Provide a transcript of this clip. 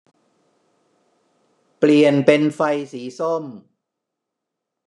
เปลี่ยนเป็นไฟสีส้ม